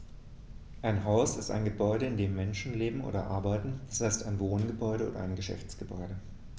Ein Haus ist ein Gebäude, in dem Menschen leben oder arbeiten, d. h. ein Wohngebäude oder Geschäftsgebäude.